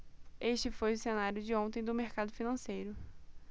este foi o cenário de ontem do mercado financeiro